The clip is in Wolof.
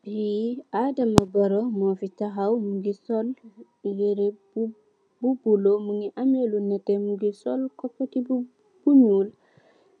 Fi Adama Barrow mu fi tahaw mungi sol yiré bu bulo mungi ameh lu nètè, mungi sol copoti bu ñuul